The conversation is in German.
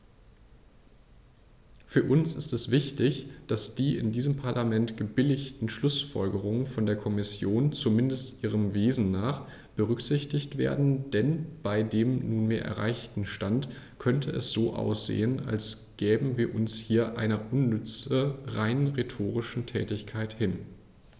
Für uns ist es wichtig, dass die in diesem Parlament gebilligten Schlußfolgerungen von der Kommission, zumindest ihrem Wesen nach, berücksichtigt werden, denn bei dem nunmehr erreichten Stand könnte es so aussehen, als gäben wir uns hier einer unnütze, rein rhetorischen Tätigkeit hin.